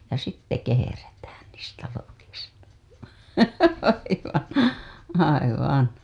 ja sitten kehrätään niistä lokista aivan aivan